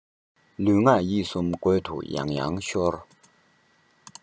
ལུས ངག ཡིད གསུམ རྒོད དུ ཡང ཡང ཤོར